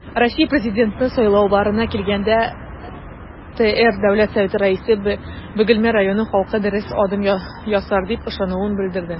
Россия Президенты сайлауларына килгәндә, ТР Дәүләт Советы Рәисе Бөгелмә районы халкы дөрес адым ясар дип ышануын белдерде.